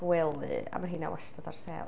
Gwely a mae heina wastad ar sêl.